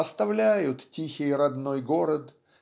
оставляют тихий родной город